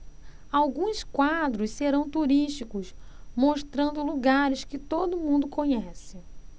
alguns quadros serão turísticos mostrando lugares que todo mundo conhece